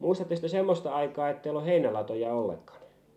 muistattekos te semmoista aikaa että ei ollut heinälatoja ollenkaan